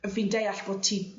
fi'n deall bo' ti